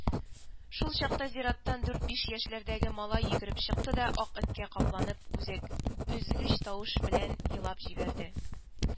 Шул чакта зираттан дүрт-биш яшьләрдәге малай йөгереп чыкты да ак эткә капланып үзәк өзгеч тавыш белән елап җибәрде